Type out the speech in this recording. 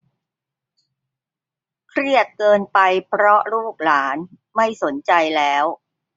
เครียดเกินไปเพราะลูกหลานไม่สนใจแล้ว